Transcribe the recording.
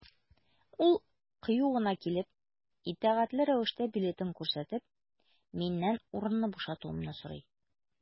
Ул кыю гына килеп, итәгатьле рәвештә билетын күрсәтеп, миннән урынны бушатуымны сорый.